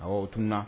Awɔ, o tunu na!